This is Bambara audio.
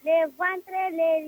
Denfan filɛlen